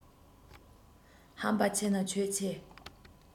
ཧམ པ ཆེ ན ཁྱོད ཆེ